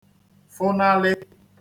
fụnalị